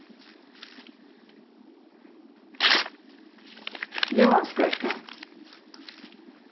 jóansgøta